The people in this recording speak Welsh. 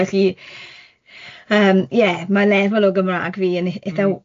Felly, yym, ie ma' lefel o Gymraeg fi yn h- itha w-